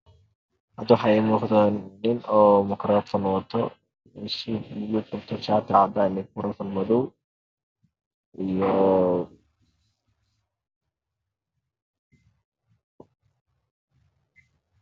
Halkaan waxaa iiga muuqdo nin makaroofan wato iyo shaati cadaan ah iyo makaroofan madow.